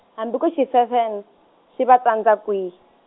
hambi ku xi fefen-, swi va tsandza kwihi ?